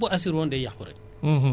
ñun ñu bàyyi dix pour cent ñun